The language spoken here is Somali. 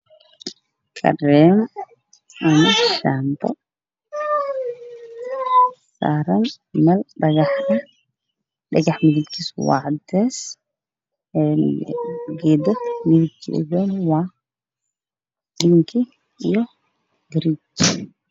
Kareen ama shaambo saaran dhagax dhagaxa midabkiisu waa cadeas